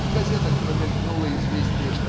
В газетах промелькнуло известие